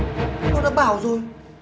tôi đã bảo rồi